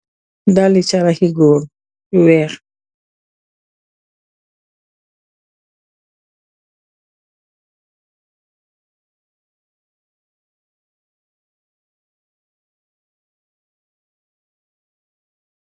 Dalle carax hi goor yu weex